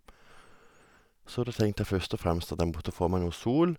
Så da tenkte jeg først og fremst at jeg måtte få meg noe sol.